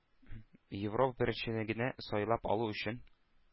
Европа беренчелегенә сайлап алу өчен